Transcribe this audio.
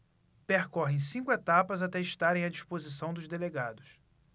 percorrem cinco etapas até estarem à disposição dos delegados